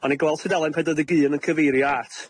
O'n i'n gweld tudalen pedwar deg un yn cyfeirio at